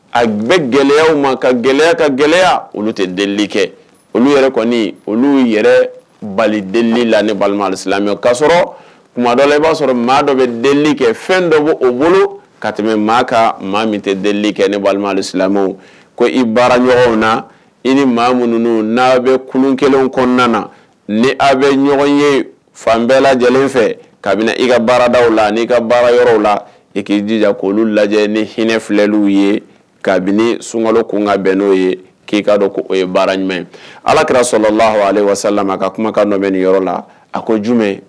A bɛ gɛlɛyaw ma ka gɛlɛya ka gɛlɛya olu tɛ delili kɛ olu yɛrɛ kɔni olu yɛrɛ balid la ni balima o kasɔrɔ tuma dɔ i b'a sɔrɔ maa dɔ bɛ delili kɛ fɛn dɔ bɔ o bolo ka tɛmɛ maa ka maa min tɛ deli kɛ ni balima silamɛ ko i baara ɲɔgɔnw na i ni maa minnu n'a bɛ kolon kelen kɔnɔna na ni a bɛ ɲɔgɔn ye fan bɛɛla lajɛlen fɛ kabini i ka baarada la n ka baara yɔrɔ la i k'i dija k'olu lajɛ ni hinɛinɛ filɛli ye kabini sunka kun ka bɛn n'o ye k'i ka dɔn o ye baara ɲuman ye alakira sɔrɔla lah alesala ka kuma ka bɛ ni yɔrɔ la a ko ju